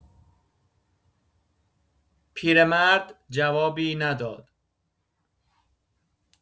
پیرمرد جوابی نداد.